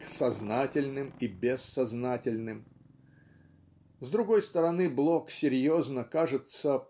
к "сознательным" и "бессознательным". С другой стороны Блок серьезно кажется